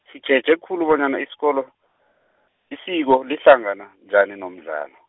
sitjheje khulu bonyana isikolo , isiko lihlangana, njani nomdlalo.